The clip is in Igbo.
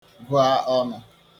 gụa ọnụ̄